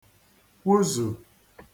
kwụzù